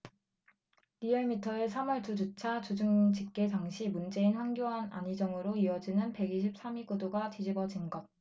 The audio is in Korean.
리얼미터의 삼 월 두 주차 주중집계 당시 문재인 황교안 안희정으로 이어지는 백 이십 삼 위 구도가 뒤집어진 것